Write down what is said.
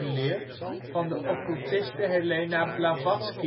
leer van de occultiste Helena Blavatsky